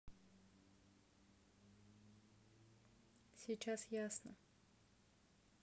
сейчас ясно